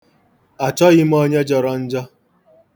Achọghị m onye jọrọ njo.